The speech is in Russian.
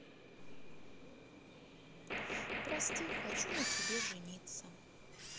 прости хочу на тебе жениться